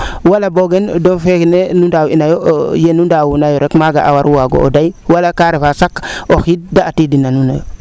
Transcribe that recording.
wala bo gen don feene nu ndaaw ina yo yeenu ndawuna yo rek maaga a waagu waago dey wala kaa refa chaque o xiid de atidana nuun oyo